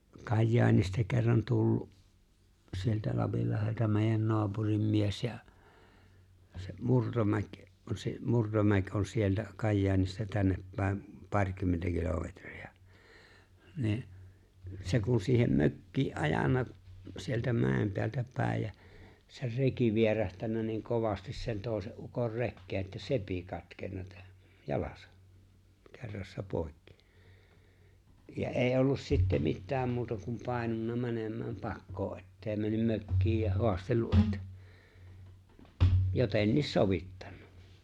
Kajaanista kerran tullut sieltä Lapinlahdelta meidän naapurin mies ja se Murtomäki on se Murtomäki on sieltä Kajaanista tännepäin parikymmentä kilometriä niin se kun siihen mökkiin ajanut sieltä mäen päältä päin ja sen reki vierähtänyt niin kovasti sen toisen ukon rekeen että sepi katkennut - jalas kerrassaan poikki ja ei ollut sitten mitään muuta kuin painunut menemään pakoon että ei mennyt mökkiin ja haastatellut että jotenkin sovittanut